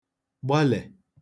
gbalè